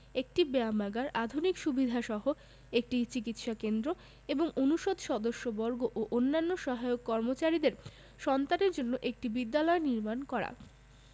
একটি ব্যায়ামাগার আধুনিক সুবিধাসহ একটি চিকিৎসা কেন্দ্র এবং অনুষদ সদস্যবর্গ ও অন্যান্য সহায়ক কর্মচারীদের সন্তানের জন্য একটি বিদ্যালয় নির্মাণ করা